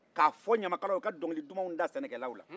k'a fɔ ɲamakalaw ye u ka dɔnkili dumanw da sɛnɛkɛlaw la